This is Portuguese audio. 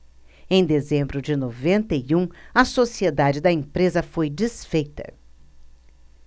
em dezembro de noventa e um a sociedade da empresa foi desfeita